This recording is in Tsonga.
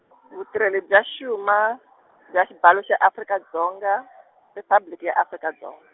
Vutirheli bya Xuma, bya Xibalo xa Afrika Dzonga, Riphabliki ya Afrika Dzong-.